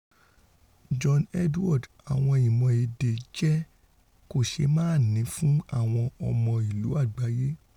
John Edward: Àwọn ìmọ̀ èdè jẹ kòṣeémáàní fún àwọn ọmọ ìlú àgbáyé